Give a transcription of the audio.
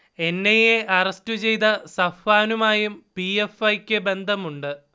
N. I. A arrest ചെയ്ത് സഫ്വാനുമായും P. F. I. ക്ക് ബന്ധമുണ്ട്